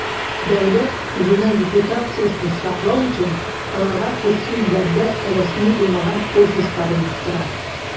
Дәүләт, үзенең репутациясен саклау өчен, аларга күрше илләрдә рәсми булмаган "офислар" оештыра.